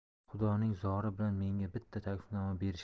xudoning zori bilan menga bitta taklifnoma berishdi